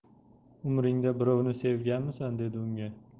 umringda birovni sevganmisan dedi unga